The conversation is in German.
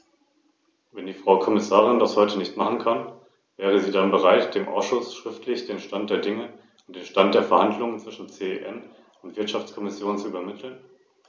Frau Präsidentin, obwohl ich anerkenne, dass dieser Bericht viele positive Aspekte enthält - und ich befürworte den Anspruch der Menschen mit Behinderung auf Zugang zum Verkehr und zu Entschädigung nachdrücklich -, bin ich der Meinung, dass diese Programme von den nationalen Regierungen auf den Weg gebracht werden sollten.